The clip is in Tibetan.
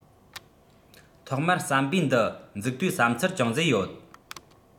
ཐོག མར ཟམ པའི འདི འཛུགས དུས བསམ ཚུལ ཅུང ཟད ཡོད